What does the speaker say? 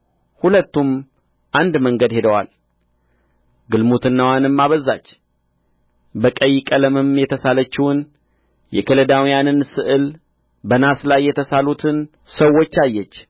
ሁለቱም አንድ መንገድ ሄደዋል ግልሙትናዋንም አበዛች በቀይ ቀለምም የተሳለችውን የከለዳውያንን ስዕል በናስ ላይ የተሳሉትን ሰዎች አየች